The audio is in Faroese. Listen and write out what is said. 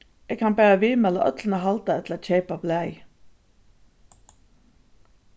eg kann bara viðmæla øllum at halda ella keypa blaðið